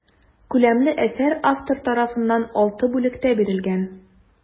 Күләмле әсәр автор тарафыннан алты бүлектә бирелгән.